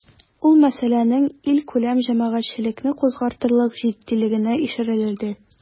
Ул мәсьәләнең илкүләм җәмәгатьчелекне кузгатырлык җитдилегенә ишарәләде.